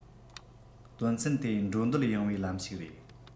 དོན ཚན དེ འགྲོ འདོད ཡངས པའི ལམ ཞིག རེད